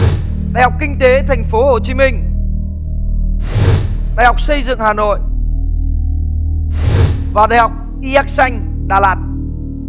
đại học kinh tế thành phố hồ chí minh đại học xây dựng hà nội và đại học y éc xanh đà lạt